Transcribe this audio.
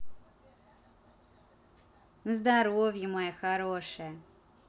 на здоровье моя хорошая